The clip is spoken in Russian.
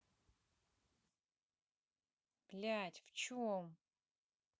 блядь в чем